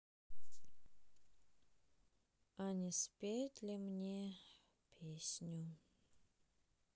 а не спеть ли мне песню